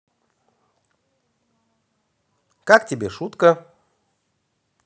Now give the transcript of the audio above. как тебе шутка